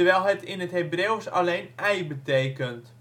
het in het Hebreeuws alleen " ei " betekent